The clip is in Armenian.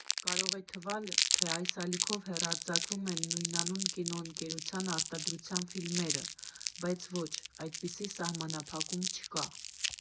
Կարող է թվալ, թե այս ալիքով հեռարձակվում են նույնանուն կինոընկերության արտադրության ֆիլմերը, բայց ոչ, այդպիսի սահմանափակում չկա։